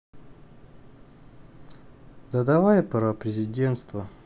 да давай про президентство